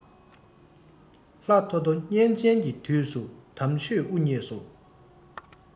ལྷ ཐོ ཐོ གཉན བཙན གྱི དུས སུ དམ ཆོས དབུ བརྙེས སོ